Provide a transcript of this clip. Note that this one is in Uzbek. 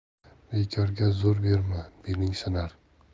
bekorga zo'r berma beling sinar